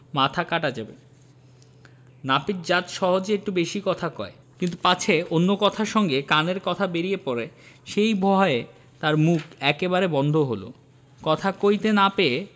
মাথা কাটা যাবে নাপিত জাত সহজে একটু বেশী কথা কয় কিন্তু পাছে অন্য কথার সঙ্গে কানের কথা বেরিয়ে পড়ে সেই ভয়ে তার মুখ একেবারে বন্ধ হল কথা কইতে না পেয়ে